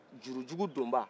jurujugu donbaa